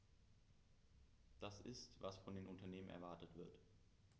Das ist, was von den Unternehmen erwartet wird.